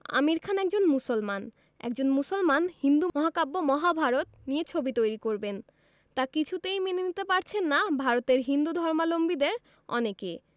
আমির খান একজন মুসলমান একজন মুসলমান হিন্দু মহাকাব্য মহাভারত নিয়ে ছবি তৈরি করবেন তা কিছুতেই মেনে নিতে পারছেন না ভারতের হিন্দুধর্মাবলম্বী অনেকে